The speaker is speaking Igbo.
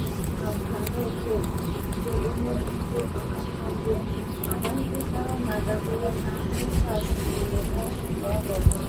Ndị Nationals ka na eche ikwupute onye mbido maka Sọnde, mana ekpesara na dabere na Scherzer tinye ọnụ n’ọnọdụ ahụ.